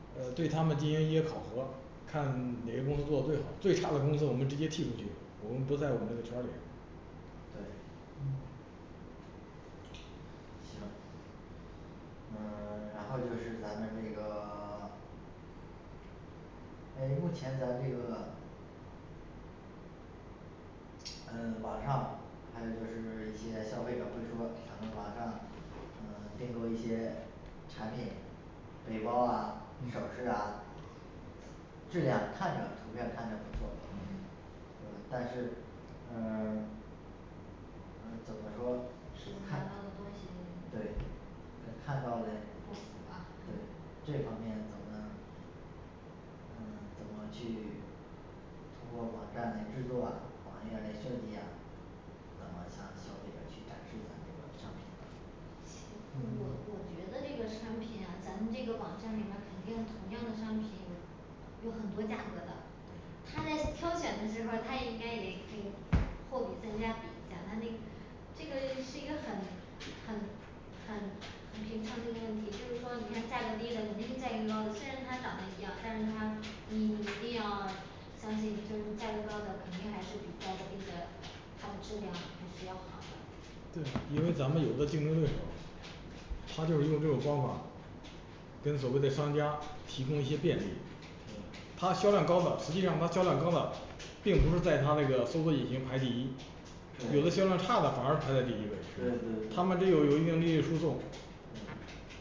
是呃对他们进行一些考核，看哪个公司做得最好，最差的公司我们直接剔出去，我们不在我们那个圈儿里对嗯行嗯 然后就是咱们这个 诶目前咱这个嗯网上还有就是一些消费者会说咱们网上嗯订购一些产品，背包啊首饰啊质量看着图片儿看着不错嗯嗯但是嗯 嗯怎么说是买到的看东西不符啊嗯怎么去通过网站嘞制作啊，网页儿嘞设计呀怎么向消费者去展示咱们这个商品呢行我嗯我觉得这个产品啊咱们这个网站里边儿肯定同样的商品，有有很多价格的他在挑选的时候儿，他也应该也可以货比三家，比一下他那这个是一个很很很很平常的一个问题就是说你看价格低的就一定在于高度，虽然它长得一样，但是它你一定要相信就是价格高的肯定还是比价格低的，它的质量还是要好的对，因为咱们有个竞争对手，他就是用这种方法跟所谓的商家提供一些便利，嗯它销量高的实际上它销量高的并不是在它那个搜索引擎排第一有的对销量差的反而排在第一位对对是吧？他对们这有有一定利益输送